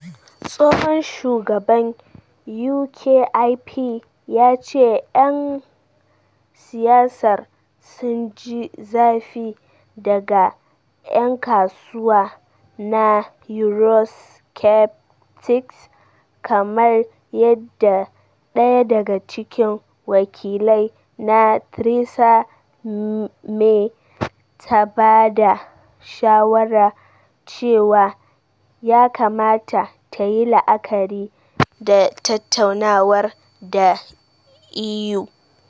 Tsohon shugaban Ukip ya ce 'yan siyasar sun' ji zafi 'daga' yan kasuwa na Eurosceptics - kamar yadda daya daga cikin wakilai na Theresa May ta ba da shawara cewa ya kamata tayi la'akari da tattaunawar da EU.